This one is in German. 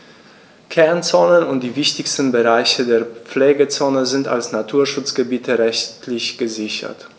Kernzonen und die wichtigsten Bereiche der Pflegezone sind als Naturschutzgebiete rechtlich gesichert.